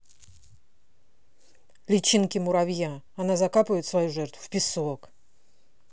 личинки муравья она закапывает свою жертву в песок